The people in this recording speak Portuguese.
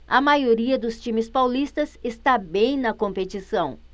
a maioria dos times paulistas está bem na competição